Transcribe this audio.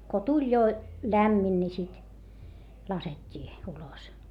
kun tuli jo lämmin niin sitten laskettiin ulos